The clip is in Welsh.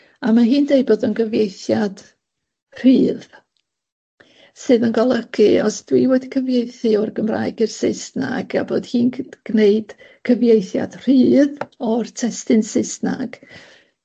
###a ma' hi'n deud bod o'n gyfieithiad rhydd sydd yn golygu os dwi wedi cyfieithu o'r Gymraeg i'r Saesnag a bod hi'n c- gneud cyfieithiad rhydd o'r testun Saesnag